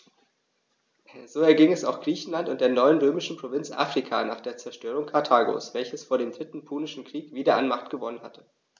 So erging es auch Griechenland und der neuen römischen Provinz Afrika nach der Zerstörung Karthagos, welches vor dem Dritten Punischen Krieg wieder an Macht gewonnen hatte.